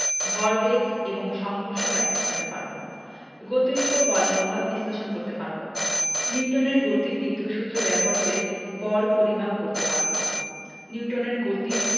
ভরবেগ এবং সংঘর্ষ ব্যাখ্যা করতে পারব গতির উপর বলের পভাব বিশ্লেষণ করতে পারব নিউটনের গতির দ্বিতীয় সূত্র ব্যবহার করে বল পরিমাপ করতে পারব নিউটনের গতির